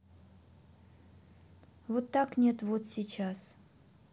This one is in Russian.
вот так нет вот сейчас